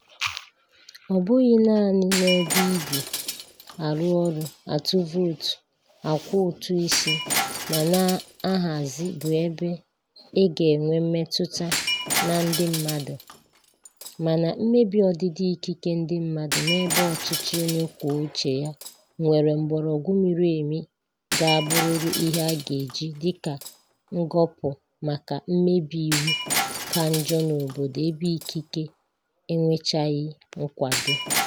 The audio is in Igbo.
Ọ bụghị naanị na ebe i bi, arụ ọrụ, atụ vootu, akwụ ụtụ isi ma na-ahazi bụ ebe ị ka nwee mmetụta na ndị mmadụ, mana mmebi ọdịdị ikike ndị mmadụ n'ebe ọchịchị onye kwuo uche ya nwere mgbọrọgwụ miri emi ga-abụrịrị ihe a ga-eji dịka ngọpụ maka mmebi iwu ka njọ n'obodo ebe ikike enwechaghị nkwado.